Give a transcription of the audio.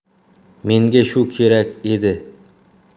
menga shu kerak edi